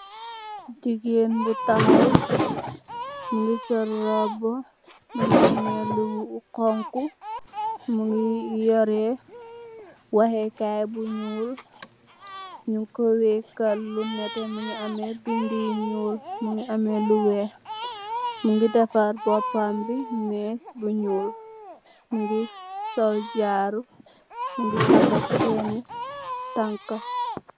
Gigain bu tahaw Mungi sol robu Mungi ameh luu hunhu Mungi yoreh wahei kai bu nyuul nyungko weekal lu neteh Mungi ameh bindi nyuul Mungi ameh lu weih Mungi defarr bopam bi mess bu nyuul Mungi sol jaaru Mungi taka chaini tanka.